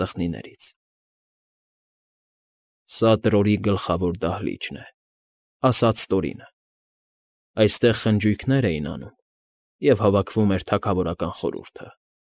Ծխնիներից։ ֊ Սա Տրորի գլխավոր դահլիճն է,֊ ասաց Տորինը,֊ այստեղ խնջույքներ էին անում և հավաքվում էր թագավորական խորհուրդը։